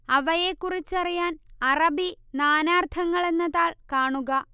അവയെക്കുറിച്ചറിയാൻ അറബി നാനാർത്ഥങ്ങൾ എന്ന താൾ കാണുക